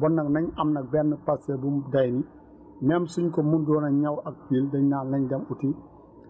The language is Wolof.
bon nag nañu am nag benn pasteef bu doy ni même suñ ko mënut woon a ñaw ak fil dañ naan nañ dem uti